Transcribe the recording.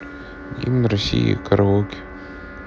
гимн россии караоке